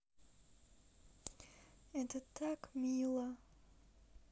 это так мило